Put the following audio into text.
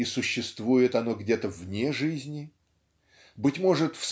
И существует оно где-то вне жизни? Быть может